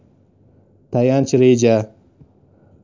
tayanch reja